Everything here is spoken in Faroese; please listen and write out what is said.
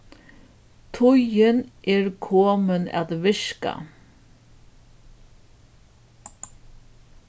tíðin er komin at virka